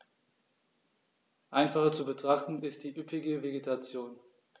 Einfacher zu betrachten ist die üppige Vegetation.